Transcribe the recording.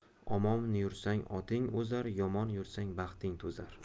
omon yursang oting o'zar yomon yursang baxting to'zar